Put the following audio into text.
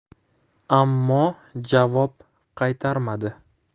ammo javob qaytarmadi